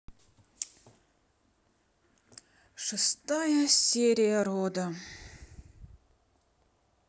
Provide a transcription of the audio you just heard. шестая серия рода